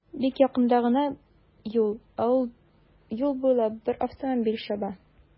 Бик якында гына юл, ә юл буйлап бер автомобиль чаба.